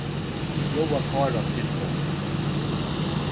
bjóða kára til fund